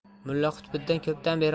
mulla qutbiddin ko'pdan beri